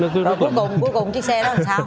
và cuối cùng chiếc xe đó sao